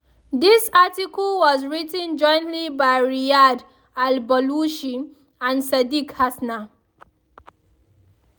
This article was written jointly by Riyadh Al Balushi and Sadeek Hasna.